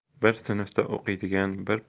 bir sinfda o'qiydigan bir